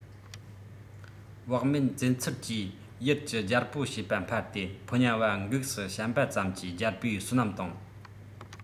བག མེད མཛད ཚུལ གྱིས ཡུལ གྱི རྒྱལ པོ ཤེས པ འབར ཏེ ཕོ ཉ བ འགུགས སུ བཤམས པ ཙམ གྱིས རྒྱལ པོའི བསོད ནམས དང